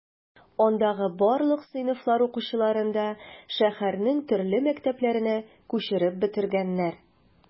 Андагы барлык сыйныфлар укучыларын да шәһәрнең төрле мәктәпләренә күчереп бетергәннәр.